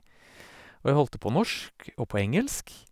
Og jeg har holdt det på norsk og på engelsk.